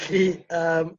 felly yym